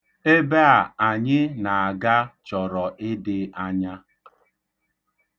Ebe a anyị na-aga chọrọ ịdị anya.